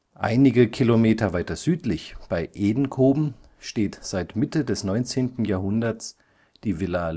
Einige Kilometer weiter südlich bei Edenkoben steht seit der Mitte des 19. Jahrhunderts die Villa